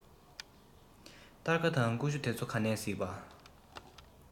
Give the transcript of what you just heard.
སྟར ཁ དང ཀུ ཤུ དེ ཚོ ག ནས གཟིགས པྰ